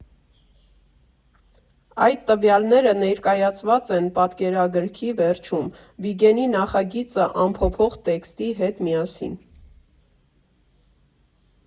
Այդ տվյալները ներկայացված են պատկերագրքի վերջում, Վիգենի՝ նախագիծը ամփոփող տեքստի հետ միասին։